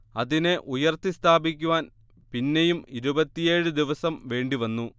അതിനെ ഉയർത്തി സ്ഥാപിക്കുവാൻ പിന്നെയും ഇരുപത്തിയേഴ് ദിവസം വേണ്ടിവന്നു